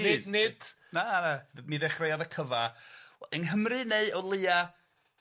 Nid nid...Na na na mi ddechreuodd y cyfa yng Nghymru neu o leia